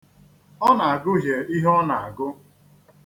Ọ na-agụhie ihe ọ na-agụ.